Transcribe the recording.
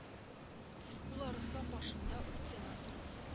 Ыхы ул арыслан башында ут яна торыр